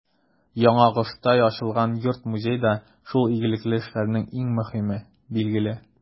Яңагошта ачылган йорт-музей да шул игелекле эшләрнең иң мөһиме, билгеле.